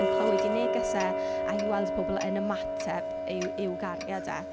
yn clywed ei neges e, a i weld pobl yn ymateb i'w i'w gariad e.